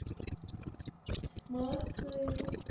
молодцы